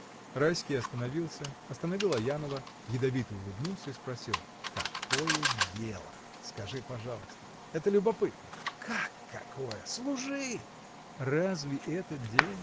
Райский остановился, остановил Аянова, ядовито улыбнулся и спросил: — Какое дело, скажи, пожалуйста: это любопытно! — Как какое? Служи. — Разве это дело?